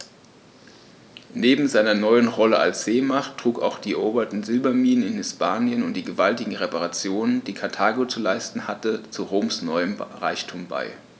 Neben seiner neuen Rolle als Seemacht trugen auch die eroberten Silberminen in Hispanien und die gewaltigen Reparationen, die Karthago zu leisten hatte, zu Roms neuem Reichtum bei.